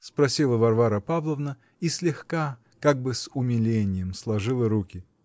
-- спросила Варвара Павловна и слегка, как бы с умиленьем, сложила руки.